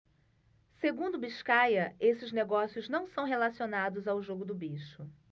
segundo biscaia esses negócios não são relacionados ao jogo do bicho